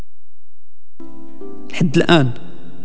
الان